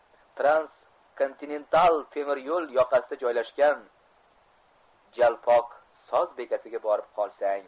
transkontinental temir yo'l yoqasida joylashgan jalpoq soz bekatiga borib qolsang